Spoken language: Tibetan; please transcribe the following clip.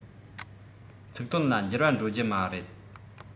ཚིག དོན ལ འགྱུར བ འགྲོ རྒྱུ མ རེད